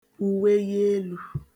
ùweyielu